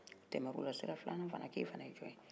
a tɛmɛr'ola a sera filanan fana ma a k'e fana ye jɔn ye